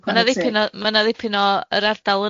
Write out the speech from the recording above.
Yym ma' 'na ddipyn o ma' 'na ddipyn o yr ardal